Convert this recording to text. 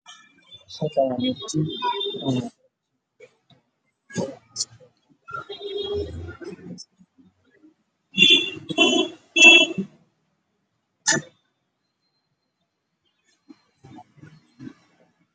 Halkaan waa meel jiim ah